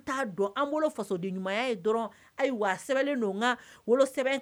T'a dɔn an bolo fasodenɲumanya ye dɔrɔn ayiwa a sɛbɛnnen don n ka wolosɛbɛn